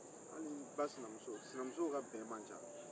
hali i ba sinamuso